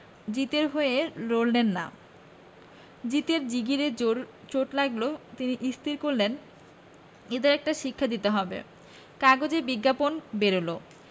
জিদে র হয়ে লড়লেন না জিদে র জিগরে জোর চোট লাগল তিনি স্থির করলেন এদের একটা শিক্ষা দিতে হবে কাগজে বিজ্ঞাপন বেরল